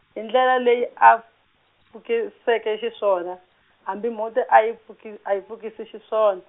hi ndlela leyi a, pfukiseke xiswona, hambi mhunti a yi pfuki, a yi pfukisi xiswona.